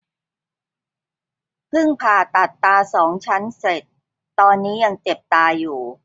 พึ่งผ่าตัดตาสองชั้นเสร็จตอนนี้ยังเจ็บตาอยู่